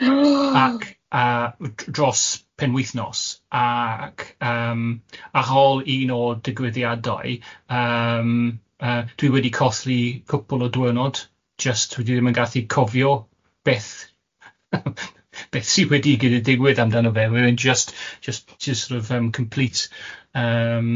ac a yy dros penwythnos ac yym ar ôl un o'r digwyddiadau yym yy dwi wedi colli cwpl o diwyrnod, jyst dwi ddim yn gallu cofio beth beth sydd wedi gyda digwyd amdano fe, we're in just just just sort of yym complete yym